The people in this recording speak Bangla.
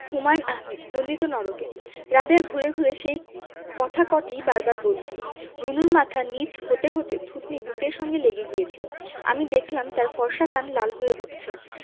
হুমায়ুন আহমেদ নন্দিত নরকে রাবেয়া ঘুরে ঘুরে সেই কথা কটিই বার বার বলছিলো রুনুর মাথা নীচ হতে হতে থুতনি বুকের সঙ্গে লেগে গিয়েছিলো আমি দেখলাম তার ফর্সা কান লাল হয়ে উঠছে